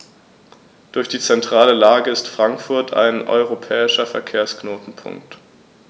Durch die zentrale Lage ist Frankfurt ein europäischer Verkehrsknotenpunkt.